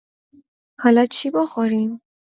حالا چی بخوریم؟